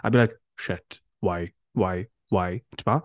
I'd be like "shit, why, why, why", tibod?